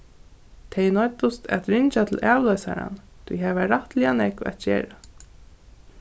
tey noyddust at ringja til avloysaran tí har var rættiliga nógv at gera